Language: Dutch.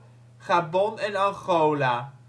Gabon en Angola